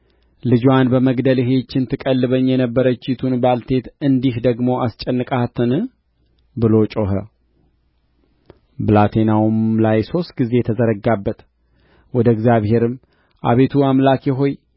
ልጅዋን በመግደልህ ይህችን ትቀልበኝ የነበረቺቱን ባልቴት እንዲህ ደግሞ አስጨነቅኻትን ብሎ ጮኸ በብላቴናውም ላይ ሦስት ጊዜ ተዘረጋበት ወደ እግዚአብሔርም አቤቱ አምላኬ ሆይ